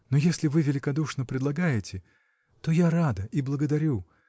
Но если вы великодушно предлагаете, то я рада и благодарю.